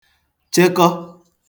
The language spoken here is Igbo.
chekọ